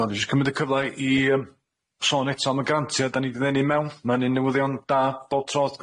Wel dwi jys cymyd y cyfla i yym sôn eto am y grantia da ni di ddenu mewn ma'n un newyddion da bob tro wrth gwrs.